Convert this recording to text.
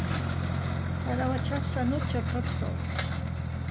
tær hava keypt sær nýggjar køksstólar